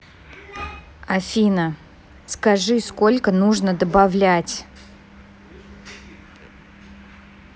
афина скажи сколько нужно добавлять